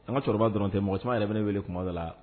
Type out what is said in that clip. An ka sɔrɔba dɔrɔn tɛ mɔgɔsuma yɛrɛ bɛ ne wele kumadɔw la